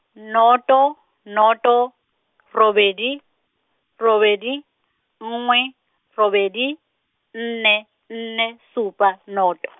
nnoto, nnoto, robedi, robedi, nngwe, robedi, nne, nne, supa, nnoto.